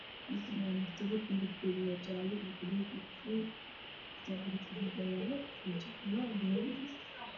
Meeshaan waxaa yaalla bac bacdaasoo eber ah bacda kallarkeeduna waa cagaar waxayna saaran tahay darbi